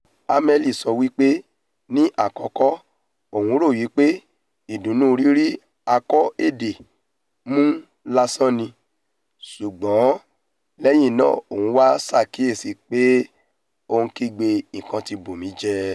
Hammel sowịpé ní àkọ́kọ́ òun rò wípé ìdùnnú rírí ako edé mú lásán ni, ṣùgbọ́n lẹ́yìn náà òun ''wá ṣàkìyèsìị́ ̀pé ó ńkígbe, 'nkań ti bù mí jẹ!